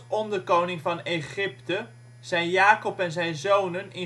onderkoning van Egypte zijn Jakob en zijn zonen